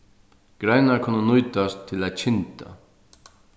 greinar kunnu nýtast til at kynda